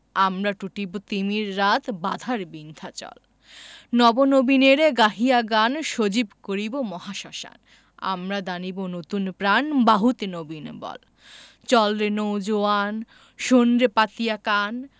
আমরা টুটিব তিমির রাত বাধার বিন্ধ্যাচল নব নবীনের গাহিয়া গান সজীব করিব মহাশ্মশান আমরা দানিব নতুন প্রাণ বাহুতে নবীন বল চল রে নও জোয়ান শোন রে পাতিয়া কান